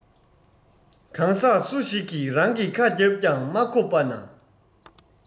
གང ཟག སུ ཞིག གིས རང གི ཁ རྒྱབ ཀྱང མ ཁོབས པ ན